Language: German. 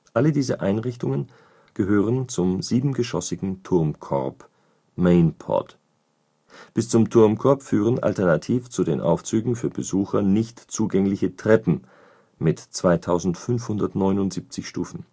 Alle diese Einrichtungen gehören zum siebengeschossigen Turmkorb (engl. Main Pod). Bis zum Turmkorb führen alternativ zu den Aufzügen für Besucher nicht zugängliche Treppen mit 2579 Stufen